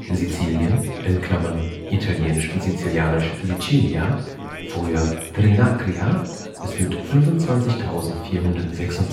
Sizilien (italienisch und sizilianisch Sicilia, früher Trinakria) ist mit 25.426 km²